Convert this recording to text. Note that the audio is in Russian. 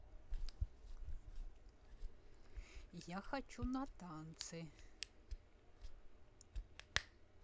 я хочу на танцы